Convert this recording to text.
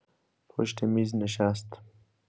پشت میز نشست.